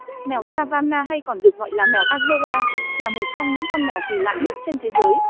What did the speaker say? mèo savannah hay còn được gọi là mèo ashera là một trong những con mèo kỳ lạ nhất trên thế giới